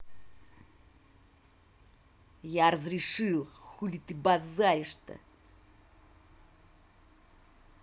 я разрешил хули ты базаришь то